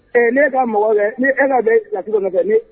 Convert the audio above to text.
Ɛɛ ne ka mɔgɔw kɛ ni e ka bɛ la dɔ ma kɛ ne